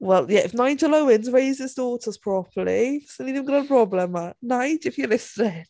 Wel ie if Nigel Owens raised his daughters properly 'sa ni ddim gyda'r broblem yma. Nige, if you're listening...